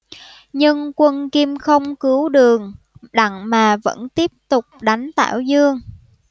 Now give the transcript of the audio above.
nhưng quân kim không cứu đường đặng mà vẫn tiếp tục đánh tảo dương